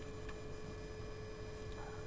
waaw baax na maa ngi koy déglu